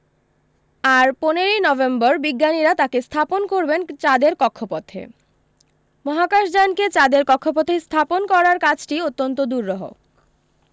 আর পনেরি নভেম্বর বিজ্ঞানীরা তাকে স্থাপন করবেন চাঁদের কক্ষপথে মহাকাশযানকে চাঁদের কক্ষপথে স্থাপন করার কাজটি অত্যন্ত দূরহ